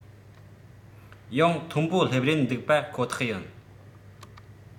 ཡང མཐོ པོ སླེབས རན འདུག པ ཁོ ཐག ཡིན